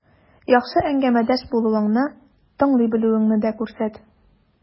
Яхшы әңгәмәдәш булуыңны, тыңлый белүеңне дә күрсәт.